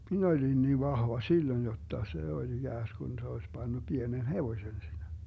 minä olin niin vahva silloin jotta se oli ikään kuin se olisi pannut pienen hevosen siinä